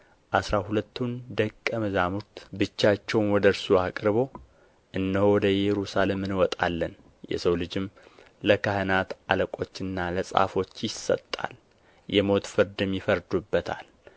አሥራ ሁለቱን ደቀ መዛሙርት ብቻቸውን ወደ እርሱ አቅርቦ እነሆ ወደ ኢየሩሳሌም እንወጣለን የሰው ልጅም ለካህናት አለቆችና ለጻፎች ይሰጣል የሞት ፍርድም ይፈርዱበታል